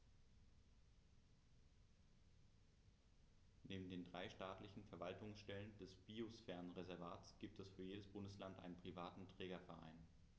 Neben den drei staatlichen Verwaltungsstellen des Biosphärenreservates gibt es für jedes Bundesland einen privaten Trägerverein.